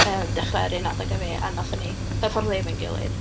yy dechrau yr un adeg â fi, a wnaethon ni hyfforddi efo'n gilydd.